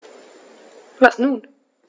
Was nun?